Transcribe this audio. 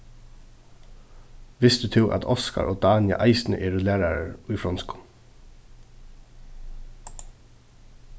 visti tú at oskar og dania eisini eru lærarar í fronskum